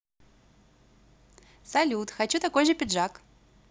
салют хочу такой же пиджак